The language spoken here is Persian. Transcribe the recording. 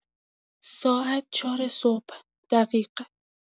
ساعت چهار صبح، دقیق.